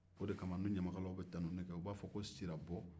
o de kama ni ɲamakala bɛ tanuni kɛ u b'a fɔ ko sirabɔ